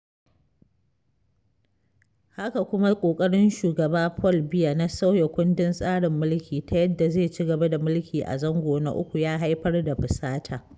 Haka kuma ƙoƙarin Shugaba Paul Biya na sauya kundin tsarin mulki ta yadda zai ci gaba da mulki a zango na uku ya haifar da fusata.